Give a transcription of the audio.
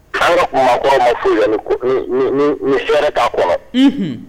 A kumakɔrɔ ma ye fɛrɛɛrɛ k'a kɔrɔ